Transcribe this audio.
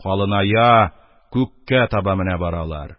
Калыная, күккә таба менә баралар.